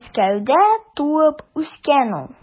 Мәскәүдә туып үскән ул.